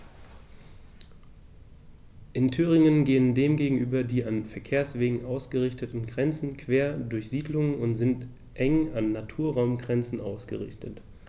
In Thüringen gehen dem gegenüber die an Verkehrswegen ausgerichteten Grenzen quer durch Siedlungen und sind eng an Naturraumgrenzen ausgerichtet.